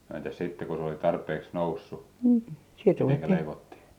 no entäs sitten kun kun se oli tarpeeksi noussut miten leivottiin